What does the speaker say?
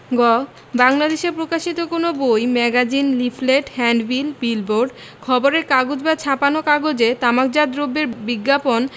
গ বাংলাদেশে প্রকাশিত কোন বই ম্যাগাজিন লিফলেট হ্যান্ডবিল বিলবোর্ড খবরের কাগজ বা ছাপানো কাগজে তামাকজাত দ্রব্যের বিজ্ঞাপন